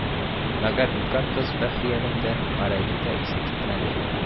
Мәгәр өлкән кыз Бәхриянең дә, Гәрәйнең дә исе китмәде